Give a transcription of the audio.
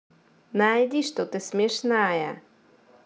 найди что ты смешная